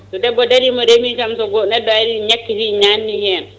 so debbo daarima reemi kam so neɗɗo aari ñakkiti nanni hen